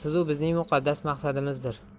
sizu bizning muqaddas maqsadimizdir